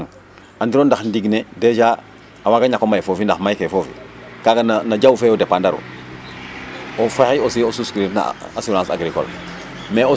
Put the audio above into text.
andiro ndax ndiig ne dejà a waaga ñak o may foofi ndax maykee foofi kaaga no jawu fe yo dependre aru o fexey aussi o souscrire ru no assurance agricole